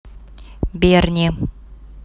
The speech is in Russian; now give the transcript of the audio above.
берни